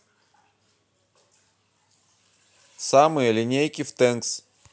самые линейки в тэнкс